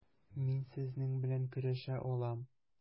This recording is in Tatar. Мин сезнең белән көрәшә алам.